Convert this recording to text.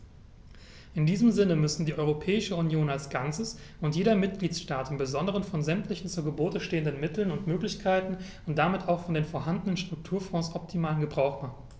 In diesem Sinne müssen die Europäische Union als Ganzes und jeder Mitgliedstaat im besonderen von sämtlichen zu Gebote stehenden Mitteln und Möglichkeiten und damit auch von den vorhandenen Strukturfonds optimalen Gebrauch machen.